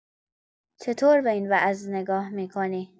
چطور به این وضع نگاه می‌کنی؟